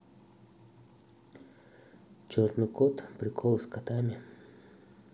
черный кот приколы с котами